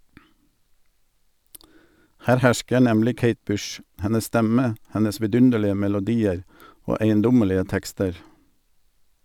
Her hersker nemlig Kate Bush, hennes stemme, hennes vidunderlige melodier og eiendommelige tekster.